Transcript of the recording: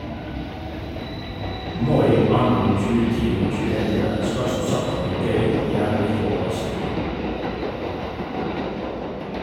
Moi anno 2010 og 2011 skal som sagt være gøy, og gjerne litt overraskende.